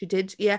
She did, yeah.